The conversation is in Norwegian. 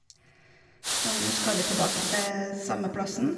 Og nå skal vi tilbake til samme plassen.